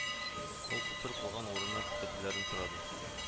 Ул күпер булган урынны күрсәтүләрен сорады